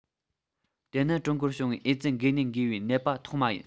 དེ ནི ཀྲུང གོར བྱུང བའི ཨེ ཙི འགོས ནད འགོས པའི ནད པ ཐོག མ ཡིན